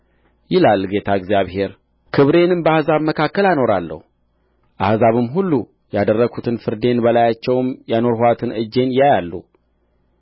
ይላል ጌታ እግዚአብሔር ክብሬንም በአሕዛብ መካከል አኖራለሁ አሕዛብም ሁሉ ያደርግሁትን ፍርዴን በላያቸውም ያኖርኋትን እጄን ያያሉ